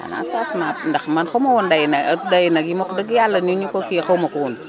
xanaa changement ndax man xamuma woon dayu nag dayu nag yi wax dëgg yàlla nii ñu ko kii wee xamuma ko woon